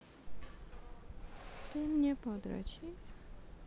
ты мне подрочишь